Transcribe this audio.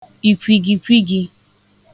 ìkwìgìkwigī